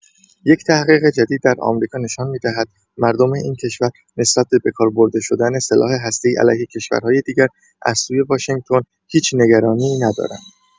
یک تحقیق جدید در آمریکا نشان می‌دهد مردم این کشور نسبت به بکار برده شدن سلاح هسته‌ای علیه کشورهای دیگر از سوی واشنگتن هیچ نگرانی ندارند.